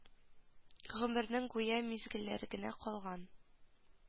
Гомернең гүя мизгелләре генә калган